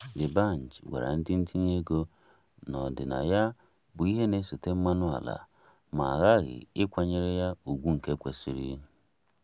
Dbanj gwara ndị ntinye ego na "ọdịnaya bụ ihe na-esote mmanụ ala" ma a ghaghị ịkwanyere ya ùgwù nke kwesịrị.